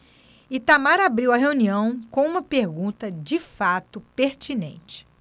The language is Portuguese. itamar abriu a reunião com uma pergunta de fato pertinente